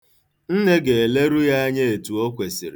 Nne ga-eleru ya anya etu o kwesịrị.